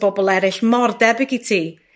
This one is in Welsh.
bobol eryll mor debyg i ti.